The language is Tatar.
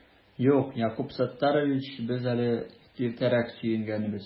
Юк, Якуб Саттарич, без әле иртәрәк сөенгәнбез